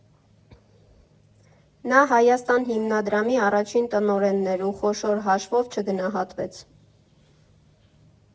Նա «Հայաստան» հիմնադրամի առաջին տնօրենն էր ու խոշոր հաշվով չգնահատվեց։